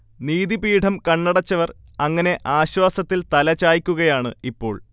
നീതി പീഠം കണ്ണടച്ചവർ അങ്ങനെ ആശ്വാസത്തിൽ തലചായ്ക്കുകയാണ് ഇപ്പോൾ